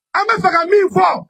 An ka faga min fɔ